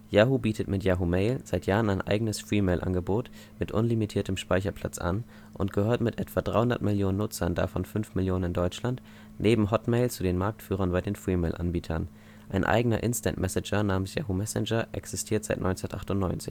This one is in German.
Yahoo bietet mit Yahoo Mail seit Jahren ein eigenes Freemail-Angebot mit unlimitiertem Speicherplatz an und gehört mit etwa 300 Millionen Nutzern, davon fünf Millionen in Deutschland, neben Hotmail zu den Marktführern bei den Freemail-Anbietern. Ein eigener Instant Messenger namens Yahoo Messenger existiert seit 1998